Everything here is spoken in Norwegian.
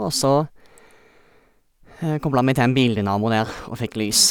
Og så kobla vi til en bildynamo der og fikk lys.